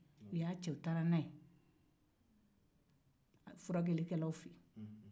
u y'a cɛ ka taa n'a ye furakɛlaw fɛ yen